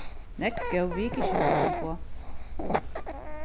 nógv góð vikuskiftistilboð